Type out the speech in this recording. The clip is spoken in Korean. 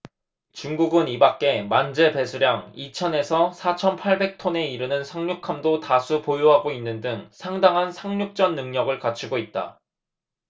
중국은 이밖에 만재배수량 이천 에서 사천 팔백 톤에 이르는 상륙함도 다수 보유하고 있는 등 상당한 상륙전 능력을 갖추고 있다